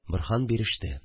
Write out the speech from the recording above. Борһан биреште